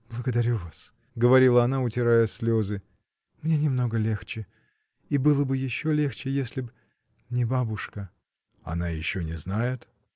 Благодарю вас, — говорила она, утирая слезы. — Мне немного легче. и было бы еще легче, если б. не бабушка. — Она еще не знает?